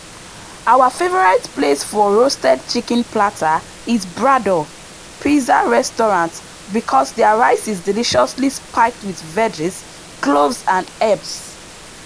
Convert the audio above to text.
Our favorite place for roasted chicken platters is Brador Pizza Restaurant because their rice is deliciously spiked with veggies, cloves and herbs.